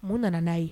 Mun nana n'a ye